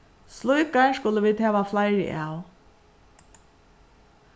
slíkar skulu vit hava fleiri av